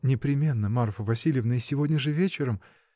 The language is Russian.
— Непременно, Марфа Васильевна, и сегодня же вечером.